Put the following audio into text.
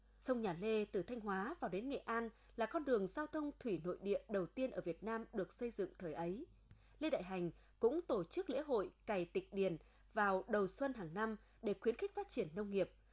sông nhà lê từ thanh hóa vào đến nghệ an là con đường giao thông thủy nội địa đầu tiên ở việt nam được xây dựng thời ấy lê đại hành cũng tổ chức lễ hội cày tịch điền vào đầu xuân hằng năm để khuyến khích phát triển nông nghiệp